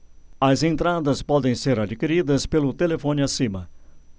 as entradas podem ser adquiridas pelo telefone acima